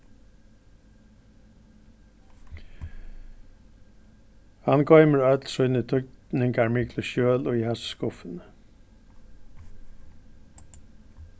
hann goymir øll síni týdningarmiklu skjøl í hasi skuffuni